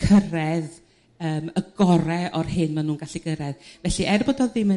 cyrr'edd yrm y gore o'r hyn ma'n nhw'n gallu gyrr'edd felly er bod o ddim yn